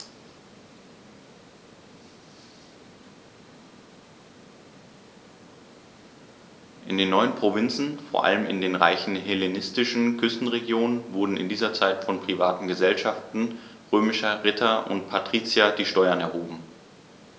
In den neuen Provinzen, vor allem in den reichen hellenistischen Küstenregionen, wurden in dieser Zeit von privaten „Gesellschaften“ römischer Ritter und Patrizier die Steuern erhoben.